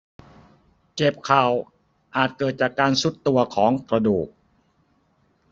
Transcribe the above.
เจ็บเข่าอาจเกิดจากการทรุดตัวของกระดูก